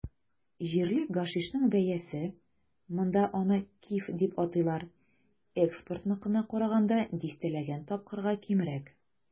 Җирле гашишның бәясе - монда аны "киф" дип атыйлар - экспортныкына караганда дистәләгән тапкырга кимрәк.